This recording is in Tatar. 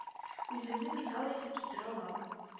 Үземне мисал итеп китерә алам